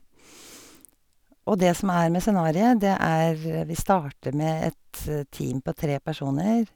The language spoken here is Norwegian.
Og det som er med scenariet, det er, vi starter med et team på tre personer.